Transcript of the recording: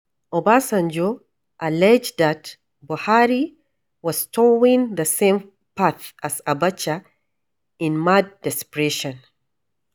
Obasanjo alleged that Buhari was towing the "same path" as Abacha "in mad desperation".